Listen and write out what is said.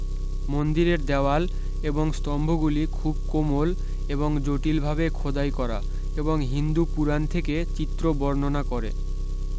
মন্দিরের দেওয়াল এবং স্তম্ভগুলি খুব কোমল এবং জটিলভাবে ক্ষোদাই করা এবং হিন্দু পুরাণ থেকে চিত্র বর্ণনা করে